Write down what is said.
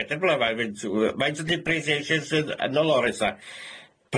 Pedwar blynedd mae'n mynd w- yy faint o depreciation sydd yn y lorri sa?